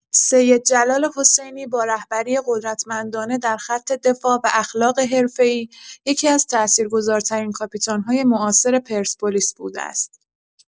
سیدجلال حسینی با رهبری قدرتمندانه در خط دفاع و اخلاق حرفه‌ای، یکی‌از تأثیرگذارترین کاپیتان‌های معاصر پرسپولیس بوده است.